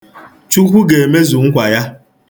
Chukwu ga-emezu nkwa ya.